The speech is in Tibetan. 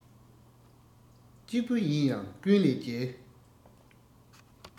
གཅིག པུ ཡིན ཡང ཀུན ལས རྒྱལ